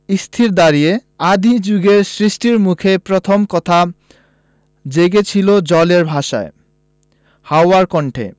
স্থির দাঁড়িয়ে আদি জুগে সৃষ্টির মুখে প্রথম কথা জেগেছিল জলের ভাষায় হাওয়ার কণ্ঠে